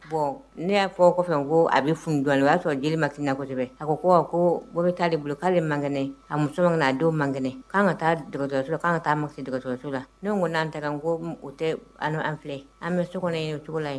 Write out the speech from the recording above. Bon ne y'a fɔ kɔfɛ, ko a bɛ funi dɔɔnin o y'a sɔrɔ jeli ma kɛnyaina kosɛbɛ ,a ko ko wa ko wari t'ale bolo k'ale mankɛnɛ, a muso mankɛnɛ, a denw mankɛnɛ, k'an ka taa dɔgɔtɔrɔso la k'an ka taa dɔgɔtɔrɔso la, ne ko n'an tara n ko ,o tɛ an filɛ, an bɛ sokɔnɔ yen o cogo la ye